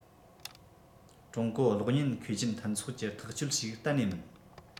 ཀྲུང གོ གློག བརྙན མཁས ཅན མཐུན ཚོགས གྱི ཐག གཅོད ཞིག གཏན ནས མིན